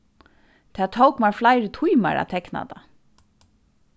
tað tók mær fleiri tímar at tekna tað